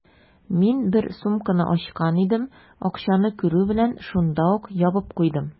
Мин бер сумканы ачкан идем, акчаны күрү белән, шунда ук ябып куйдым.